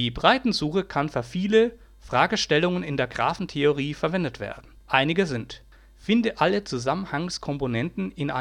Breitensuche kann für viele Fragestellungen in der Graphentheorie verwendet werden. Einige sind: Finde alle Zusammenhangskomponenten in